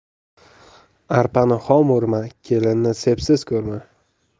arpani xom o'rma kelinni sepsiz ko'rma